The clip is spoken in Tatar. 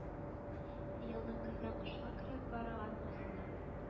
Елның көздән кышка кереп барган фасылы